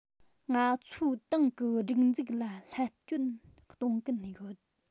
ང ཚོའི ཏང གི སྒྲིག འཛུགས ལ བསླད སྐྱོན གཏོང གིན ཡོད